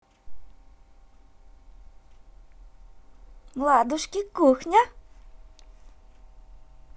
ладушки кухня